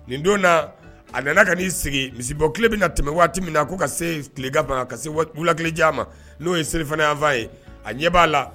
Nin don na a nana ka n'i sigi misi bɔ tile bɛ na tɛmɛ waati min na ko ka se tile gan ma ka se wulatillejan ma n'o ye selifana yanfa ye a ɲɛ b'a la